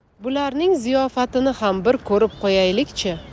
bularning ziyofatini ham bir ko'rib qo'yaylik chi